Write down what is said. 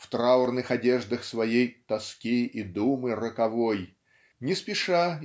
В траурных одеждах своей "тоски и думы роковой" не спеша